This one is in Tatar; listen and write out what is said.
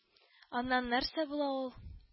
Аннан нәрсә була ул